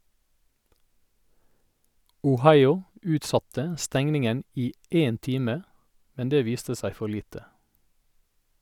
Ohio utsatte stengningen i én time, men det viste seg for lite.